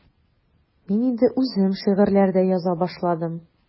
Мин инде үзем шигырьләр дә яза башладым.